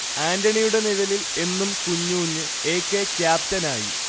ആന്റണിയുടെ നിഴലിൽ എന്നും കുഞ്ഞൂഞ്ഞ് എ. കെ. ക്യാപ്റ്റനായി